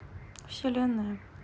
вселенная